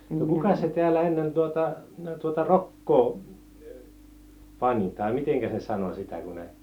kukas se täällä ennen tuota tuota rokkoa pani tai mitenkäs ne sanoi sitä kun ne